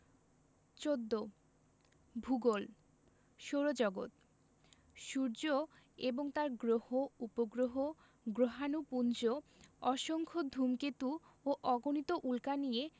১৪ ভূগোল সৌরজগৎ সূর্য এবং তার গ্রহ উপগ্রহ গ্রহাণুপুঞ্জ অসংখ্য ধুমকেতু ও অগণিত উল্কা নিয়ে